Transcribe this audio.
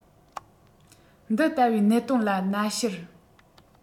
འདི ལྟ བུའི གནད དོན ལ ན ཕྱུར